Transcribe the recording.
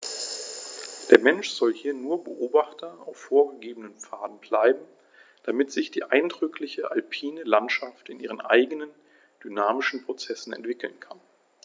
Der Mensch soll hier nur Beobachter auf vorgegebenen Pfaden bleiben, damit sich die eindrückliche alpine Landschaft in ihren eigenen dynamischen Prozessen entwickeln kann.